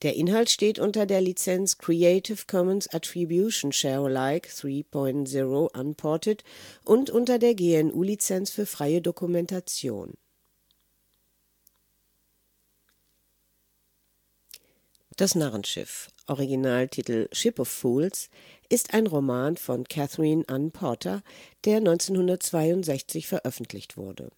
Inhalt steht unter der Lizenz Creative Commons Attribution Share Alike 3 Punkt 0 Unported und unter der GNU Lizenz für freie Dokumentation. Das Narrenschiff (Originaltitel: Ship of Fools) ist ein Roman von Katherine Anne Porter, der 1962 veröffentlicht wurde